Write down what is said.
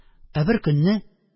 Ә беркөнне,